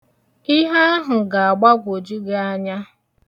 Ihe ahụ ga-agbagwoju gị anya.